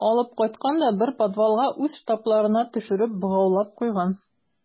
Алып кайткан да бер подвалга үз штабларына төшереп богаулап куйган.